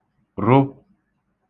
rụ